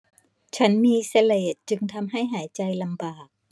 ฉันมีเสลดจึงทำให้หายใจลำบาก